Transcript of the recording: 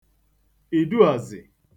iduùàzị̀